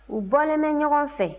u bɔlen bɛ ɲɔgɔn fɛ